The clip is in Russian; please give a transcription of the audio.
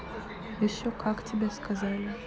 еще как тебе сказали